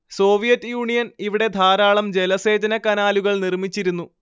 Soviet Union ഇവിടെ ധാരാളം ജലസേചന കനാലുകൾ നിർമ്മിച്ചിരുന്നു